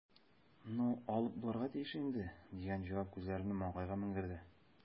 "ну, алып булырга тиеш инде", – дигән җавап күзләремне маңгайга менгерде.